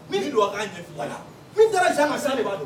Mi ti don a ka ɲɛfɔ i ɲɛ na. Mun da la zan kan sisan anw de ba dɔn.